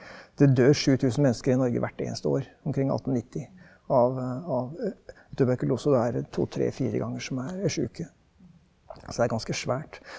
det dør 7000 mennesker i Norge hvert eneste år omkring 1890 av av tuberkulose, og da er det to, tre, fire ganger som er sjuke, så det er ganske svært.